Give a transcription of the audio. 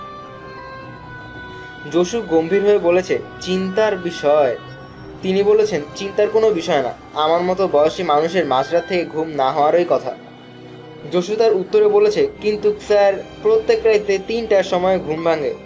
জসু গম্ভীর হয়ে বলেছে চিন্তার বিষয় তিনি বলেছেন চিন্তার কোনাে বিষয় না আমার মতাে বয়েসী মানুষের মাঝরাত থেকে ঘুম না হওয়ারই কথা জসু তার উত্তরে বলেছে কিন্তু স্যার প্রত্যেক রাইতে তিনটার সময় ঘুম ভাঙে